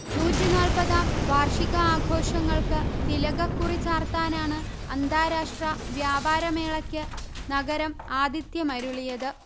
നൂറ്റിനാല്പതാം വാര്ഷിക ആഘോഷങ്ങള്ക്ക് തിലകക്കുറി ചാര്ത്താനാണ് അന്താരാഷ്ട്രാ വ്യാപാര മേളയ്ക്ക് നഗരം ആഥിത്യമരുളിയത്